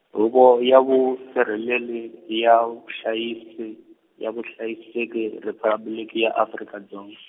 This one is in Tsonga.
Huvo ya Vusirheleleki na Vuhlayise-, ya Vuhlayiseki Riphabliki ya Afrika Dzonga.